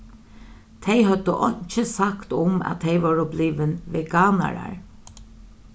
tey høvdu einki sagt um at tey vóru blivin veganarar